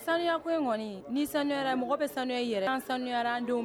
Sanuya ko in kɔniɔni ni sanu yɛrɛ mɔgɔ bɛ sanu yɛrɛ an sanuya denw